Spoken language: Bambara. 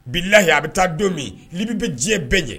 Bilahi a bɛ taa don min Libi bɛ diɲɛ bɛɛ ɲɛ